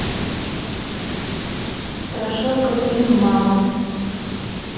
страшилка фильм мама